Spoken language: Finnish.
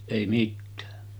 ei mitään